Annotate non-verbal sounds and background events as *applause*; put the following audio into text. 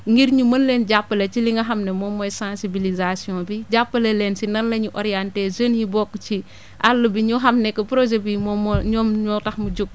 ngir énu mën leen jàppale ci li nga xam ne moom mooy sensibilisation bi jàppale leen si nan la ñuy orienté jeunes yi bokk ci *breath* àll bi ñu xam ne que projet bi moom *noise* moo ñoom ñoo tax mu jóg